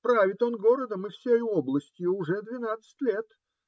Правит он городом и всею областью уже двенадцать лет.